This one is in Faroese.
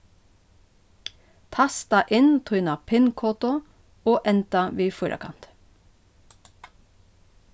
tasta inn tína pin-kodu og enda við fýrakanti